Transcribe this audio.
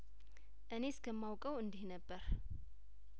እኔ እስከማውቀው እንዲህ ነበር